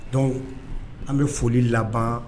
Donc_ an bɛ foli laban